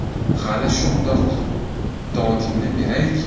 hali shundoq dodingni berayki